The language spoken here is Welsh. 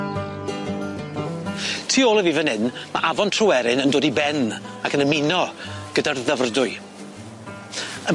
Tu ôl i fi fyn hyn, ma' Afon Tryweryn yn dod i ben ac yn ymuno gyda'r ddyfrdwy.